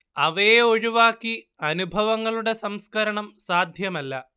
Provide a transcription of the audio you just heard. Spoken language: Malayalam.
അവയെ ഒഴിവാക്കി അനുഭവങ്ങളുടെ സംസ്കരണം സാധ്യമല്ല